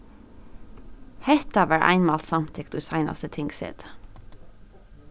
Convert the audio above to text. hetta varð einmælt samtykt í seinastu tingsetu